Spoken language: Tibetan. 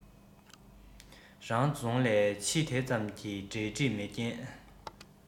རང རྫོང ལས ཕྱི དེ ཙམ གྱི འབྲེལ འདྲིས མེད རྐྱེན